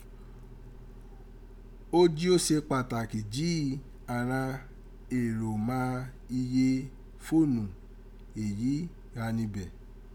Ó jí ó ṣe pataki jí àghan èrò mà iye foonu èyí gha nibẹ̀